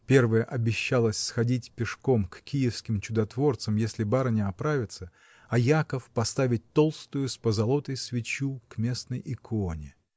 Первая обещалась сходить пешком к киевским чудотворцам, если барыня оправится, а Яков поставить толстую с позолотой свечу к местной иконе.